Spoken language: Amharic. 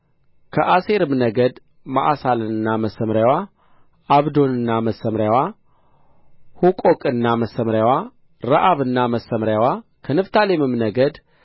ከአሴርም ነገድ መዓሳልና መሰምርያዋ ዓብዶንና መሰምርያዋ ሑቆቅና መሰምርያዋ ረአብና መሰምርያዋ ከንፍታሌምም ነገድ